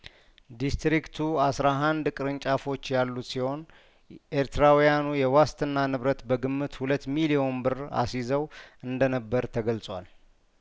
ዲስትሪክቱ አስራ ሀንድ ቅርንጫፎች ያሉት ሲሆን ኤርትራውያኑ የዋስትና ንብረት በግምት ሁለት ሚሊዮን ብር አስይዘው እንደነበር ተገልጿል